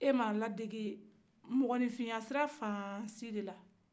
repetition